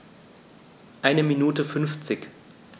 Eine Minute 50